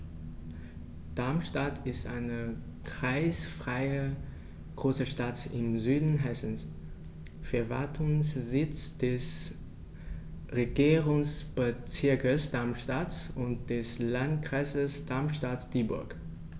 Darmstadt ist eine kreisfreie Großstadt im Süden Hessens, Verwaltungssitz des Regierungsbezirks Darmstadt und des Landkreises Darmstadt-Dieburg.